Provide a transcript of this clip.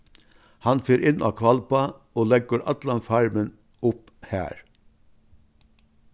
hann fer inn á hvalba og leggur allan farmin upp har